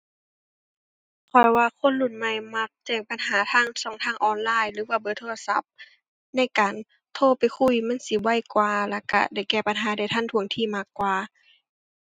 ข้อยว่าคนรุ่นใหม่มักแจ้งปัญหาทางช่องทางออนไลน์หรือว่าเบอร์โทรศัพท์ ในการโทรไปคุยมันสิไวกว่า แล้วก็ได้แก้ปัญหาได้ทันท่วงทีมากกว่า